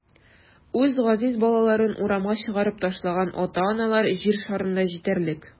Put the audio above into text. Үз газиз балаларын урамга чыгарып ташлаган ата-аналар җир шарында җитәрлек.